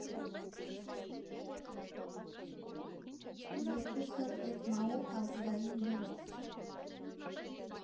Երկուսն էլ՝ հետմահու ազգային հերոս։